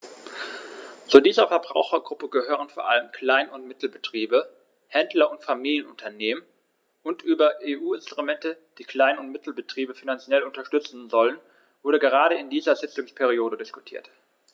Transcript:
Zu dieser Verbrauchergruppe gehören vor allem Klein- und Mittelbetriebe, Händler und Familienunternehmen, und über EU-Instrumente, die Klein- und Mittelbetriebe finanziell unterstützen sollen, wurde gerade in dieser Sitzungsperiode diskutiert.